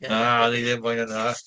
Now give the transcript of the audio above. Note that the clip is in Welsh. Na, ni ddim moyn hwnna.